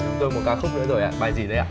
tôi một ca khúc nữa rồi ạ bài gì đây ạ